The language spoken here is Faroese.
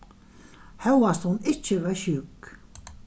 hóast hon ikki var sjúk